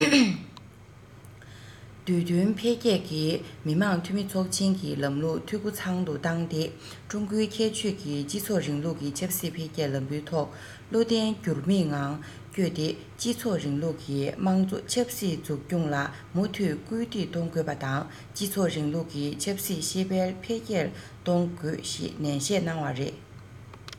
དུས བསྟུན འཕེལ རྒྱས ཀྱིས མི དམངས འཐུས མི ཚོགས ཆེན གྱི ལམ ལུགས འཐུས སྒོ ཚང དུ བཏང སྟེ ཀྲུང གོའི ཁྱད ཆོས ཀྱི སྤྱི ཚོགས རིང ལུགས ཀྱི ཆབ སྲིད འཕེལ རྒྱས ལམ བུའི ཐོག བློ བརྟན འགྱུར མེད ངང བསྐྱོད དེ སྤྱི ཚོགས རིང ལུགས ཀྱི དམངས གཙོ ཆབ སྲིད འཛུགས སྐྱོང ལ མུ མཐུད སྐུལ འདེད གཏོང དགོས པ དང སྤྱི ཚོགས རིང ལུགས ཀྱི ཆབ སྲིད ཤེས དཔལ འཕེལ རྒྱས གཏོང དགོས ཞེས ནན བཤད གནང བ རེད